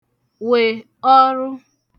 wè ọrụ